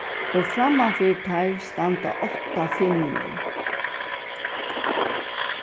og frammanfyri teir standa átta finnur